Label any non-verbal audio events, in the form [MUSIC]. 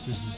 [HESITATION] [HESITATION]